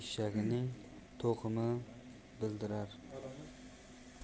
eshagining to'qimi bildirar